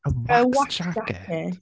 Wax jacket?